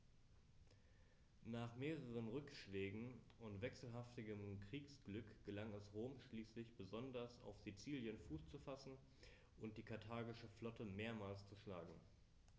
Nach mehreren Rückschlägen und wechselhaftem Kriegsglück gelang es Rom schließlich, besonders auf Sizilien Fuß zu fassen und die karthagische Flotte mehrmals zu schlagen.